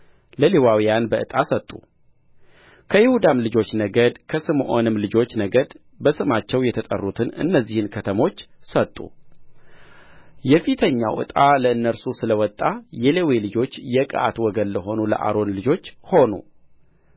ለሌዋውያን በዕጣ ሰጡ ከይሁዳም ልጆች ነገድ ከስምዖንም ልጆች ነገድ በስማቸው የተጠሩትን እነዚህን ከተሞች ሰጡ የፊተኛው ዕጣ ለእነርሱ ስለ ወጣ የሌዊ ልጆች የቀዓት ወገን ለሆኑ ለአሮን ልጆች ሆኑ